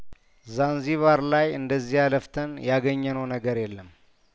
ዛንዚባር ላይ እንደ ዚያለፍተን ያገኘ ነው ነገር የለም